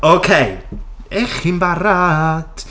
Ok! 'Ych chi'n barod?